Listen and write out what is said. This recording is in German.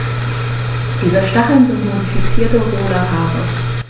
Diese Stacheln sind modifizierte, hohle Haare.